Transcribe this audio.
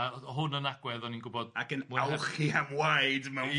A oedd hwn yn agwedd, o'n i'n gwybod. Ac yn alchi am waed mewn ffordd.